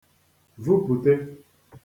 vupùte